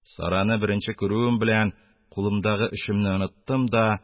Сараны беренче күрүем белән, кулымдагы эшемне оныттым да,